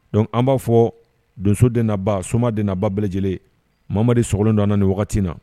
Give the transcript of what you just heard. Don an b'a fɔ donso de naba somaden naba bele lajɛlen mama sogolon don ni wagati na